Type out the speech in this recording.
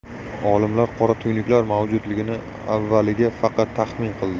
olimlar qora tuynuklar mavjudligini avvaliga faqat taxmin qildi